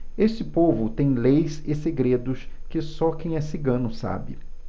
esse povo tem leis e segredos que só quem é cigano sabe